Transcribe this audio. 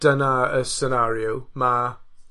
Dyna y scenario, ma'